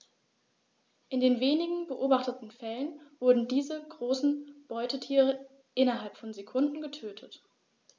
In den wenigen beobachteten Fällen wurden diese großen Beutetiere innerhalb von Sekunden getötet.